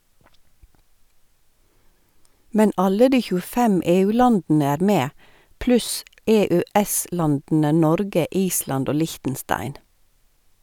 Men alle de 25 EU-landene er med, pluss EØS-landene Norge, Island og Liechtenstein.